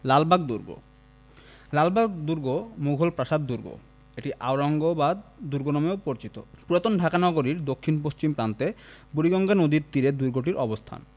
লালবাগ দুর্গ লালবাগ দুর্গ মুগল প্রাসাদ দুর্গ এটি আওরঙ্গাবাদ দুর্গ নামেও পরিচিত পুরাতন ঢাকা নগরীর দক্ষিণ পশ্চিম প্রান্তে বুড়িগঙ্গা নদীর তীরে দূর্গটির অবস্থান